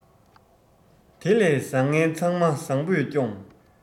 དེ ལས བཟང ངན ཚང མ བཟང པོས སྐྱོངས